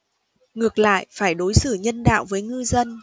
ngược lại phải đối xử nhân đạo với ngư dân